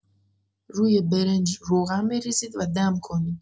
روی برنج، روغن بریزید و دم کنید.